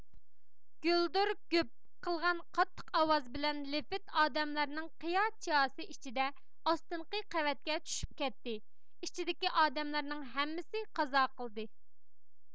گۈلدۈر گۈپ قىلغان قاتتىق ئاۋاز بىلەن لېفىت ئادەملەرنىڭ قىيا چىياسى ئىچىدە ئاستىنقى قەۋەتكە چۈشۈپ كەتتى ئىچىدىكى ئادەملەرنىڭ ھەممىسى قازا قىلدى